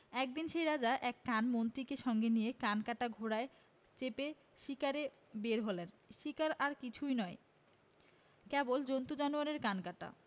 একদিন সেই রাজা এক কান মন্ত্রীকে সঙ্গে নিয়ে কানকাটা ঘোড়ায় চেপে শিকারে বার হলেন শিকার আর কিছুই নয় কেবল জন্তু জানোয়ারের কান কাটা